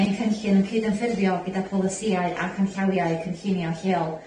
Mae'r cynllun yn cyd-ymffurfio gyda polisiau a cynllawiau cynllunio lleol.